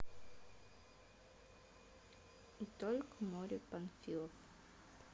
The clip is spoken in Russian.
и только море панфилов